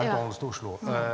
ja .